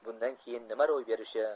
bundan keyin nima ro'y berishi